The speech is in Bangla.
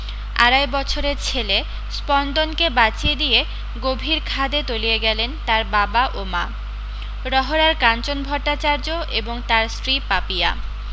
আড়াই বছরের ছেলে স্পন্দনকে বাঁচিয়ে দিয়ে গভীর খাদে তলিয়ে গেলেন তার বাবা ও মা রহড়ার কাঞ্চন ভট্টাচার্য এবং তার স্ত্রী পাপিয়া